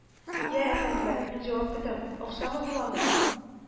- иэ, әфәнделәр, мин җавап көтәм, акчамы буламы